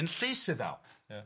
yn llys iddaw. Ia.